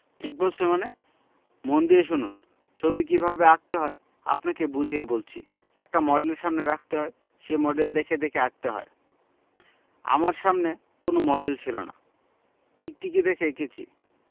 ঠিকই বলছে মানে মন দিয়ে শুনুন ছবি কি ভাবে আঁকতে হয় আপনাকে বুঝিয়ে বলছি একটা মডেল সামনে রাখতে হয় সেই মডেল দেখে দেখে আঁকতে হয় আমার সামনে কোন মডেল ছিল না টিকটিকি দেখে এঁকেছি